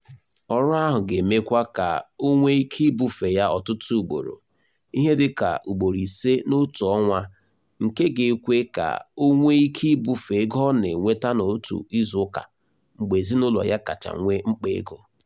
Ọrụ ahụ ga-emekwa ka o nwe ike ibufe ya ọtụtụ ugboro- ihe dị ka ugboro ise n'otu ọnwa - nke ga-ekwe ka o nwe ike ibufe ego ọ na-enweta n'otu izuụka mgbe ezinaụlọ ya kacha nwe mkpa ego.